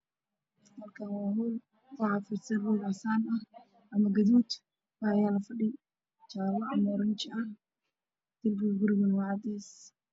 Halkaan waa hool waxaa fidsan roog casaan ah ama gaduud waxaa yaalo fadhi jaale ah ama oranji ah, darbiga guriga waa cadeys.